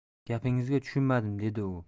gapingizga tushunmadim dedi u